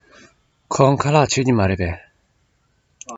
ཁོང ཁ ལག མཆོད ཀྱི མ རེད པས